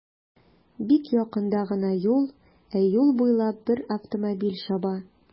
Бик якында гына юл, ә юл буйлап бер автомобиль чаба.